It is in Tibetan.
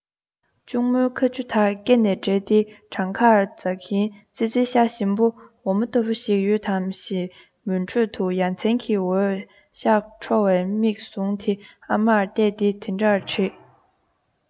གཅུང མོའི ཁ ཆུ དག སྐེ ནས གྲིལ ཏེ བྲང ཁར འཛག གིན ཙི ཙིའི ཤ ཞིམ པོ འོ མ ལྟ བུ ཞིག ཡོད དམ ཞེས མུན ཁྲོད དུ ཡ མཚན གྱི འོད ཞགས འཕྲོ བའི མིག ཟུང དེ ཨ མར གཏད དེ དེ ལྟར དྲིས